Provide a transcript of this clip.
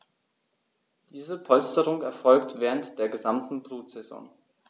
Diese Polsterung erfolgt während der gesamten Brutsaison.